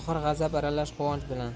g'azab aralash quvonch bilan